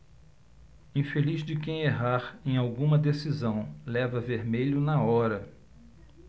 infeliz de quem errar em alguma decisão leva vermelho na hora